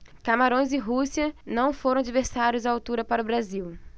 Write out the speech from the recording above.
camarões e rússia não foram adversários à altura para o brasil